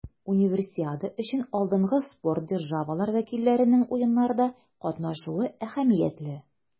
Универсиада өчен алдынгы спорт державалары вәкилләренең Уеннарда катнашуы әһәмиятле.